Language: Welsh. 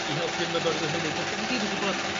i helpu myfyrwyr hynny 'c'os 'dyn ni gyd yn gwbod